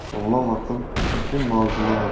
sog'lom aql muhim mavzular